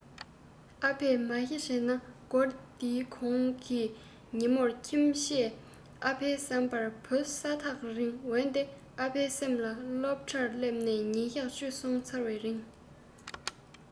ཨ ཕས མ གཞི བྱས ན སྒོར དེའི གོང གི ཉིན མོར ཁྱིམ ཆས ཨ ཕའི བསམ པར བུ ས ཐག རིང འོན ཏེ ཨ ཕའི སེམས ལ སློབ གྲྭར སླེབས ནས ཉིན གཞག བཅུ སོང བའི རིང